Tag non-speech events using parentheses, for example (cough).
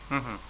(hesitation) (hesitation)